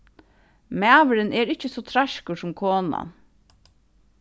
maðurin er ikki so treiskur sum konan